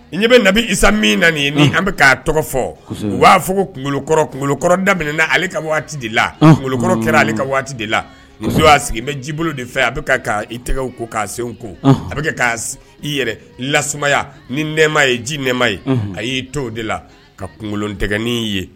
N bɛ nabi isa min na ye an bɛ'a tɔgɔ fɔ u b'a fɔ kokɔrɔ kunkolokɔrɔdaminɛna ale ka de la kunkolokɔrɔ kɛra ka de la muso y'a sigi n bɛ ji bolo de fɛ a bɛ tɛgɛw ko k'a sen ko a bɛ kɛ ka i yɛrɛ lassumaya ni nɛma ye ji nɛma ye a y'i to o de la ka kunkolokolon tɛin'i ye